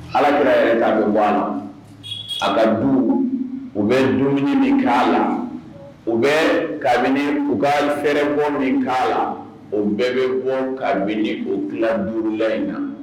Alaki yɛrɛ ka bɔ bɔ a la a ka du u bɛ dumuni min k kɛ la u bɛ kabini u ka fɛrɛɛrɛ bɔ min k kɛ la o bɛɛ bɛ bɔ kabini u fila duuru la in na